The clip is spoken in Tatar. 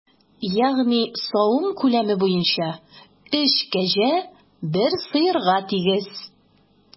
Ягъни савым күләме буенча өч кәҗә бер сыерга тигез.